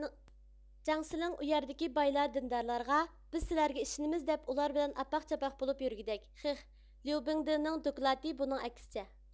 جاڭ سىلىڭ ئۇ يەردىكى بايلار دىندارلارغا بىز سىلەرگە ئىشىنىمىز دەپ ئۇلار بىلەن ئاپاق چاپاق بولۇپ يۈرگۈدەك خىخ ليۇ بىڭدېنىڭ دوكلاتى بۇنىڭ ئەكسىچە